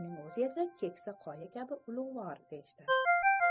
uning o'zi esa keksa qoya kabi ulug'vor deyishdi